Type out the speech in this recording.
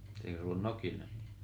eikö se ollut nokinen